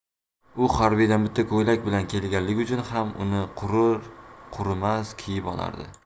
u harbiydan bitta ko'ylak bilan kelganligi uchun ham uni qurir qurimas kiyib olardi